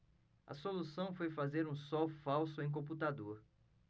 a solução foi fazer um sol falso em computador